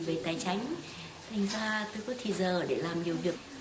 về tài chánh thành ra tôi có thì giờ để làm nhiều việc